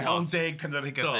Mae o'n 10 pennod ar hugain felly.